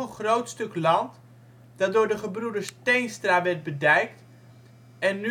groot stuk land, dat door de gebroeders Teenstra werd bedijkt en